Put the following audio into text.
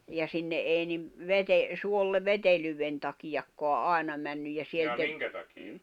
ja sinne ei niin - suolle vetelyyden takiakaan aina mennyt ja sieltä -